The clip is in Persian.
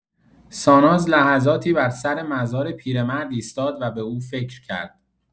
ساناز لحظاتی بر سر مزار پیرمرد ایستاد و به او فکر کرد.